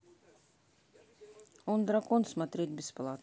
он дракон смотреть бесплатно